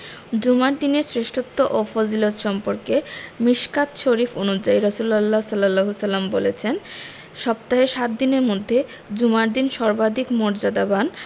জুমার দিনের শ্রেষ্ঠত্ব ও ফজিলত সম্পর্কে মিশকাত শরিফ অনুযায়ী রাসুলুল্লাহ সা বলেছেন সপ্তাহের সাত দিনের মধ্যে জুমার দিন সর্বাধিক মর্যাদাবান